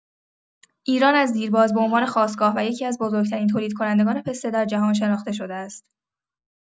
ایران از دیرباز به عنوان خاستگاه و یکی‌از بزرگ‌ترین تولیدکنندگان پسته در جهان شناخته شده است.